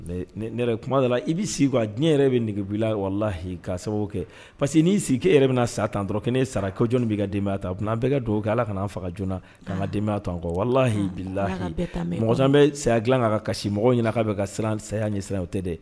Mɛ yɛrɛ ye kuma de la i bɛ sigi kuwa a diɲɛ yɛrɛ bɛ nɛgɛge lahi ka sababu kɛ parce que n'i sigi e yɛrɛ bɛna na sa tan dɔrɔn kɛ'e sara kɛ jɔnni b' ka denbaya ta u' a bɛ ka don kɛ ala ka' fagajna ka denbayakɔ walahilahi mɔgɔ bɛ saya dila kan kasi mɔgɔw ɲini k'a bɛ ka siran saya ɲɛ siran o tɛ dɛ